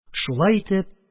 Шулай итеп